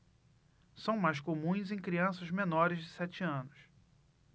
são mais comuns em crianças menores de sete anos